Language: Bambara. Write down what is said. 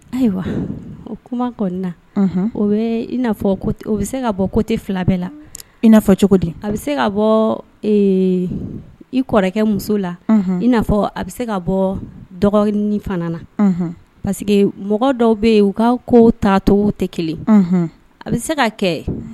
Ayiwa o kuma kɔnɔna na bɛ se ka bɔ ko tɛ filabɛ la i na fɔ cogodi a bɛ se ka bɔ i kɔrɔkɛ muso la ia a bɛ se ka bɔ dɔgɔninin fana na parce mɔgɔ dɔw bɛ yen u ka ko ta taato tɛ kelen a bɛ se ka kɛ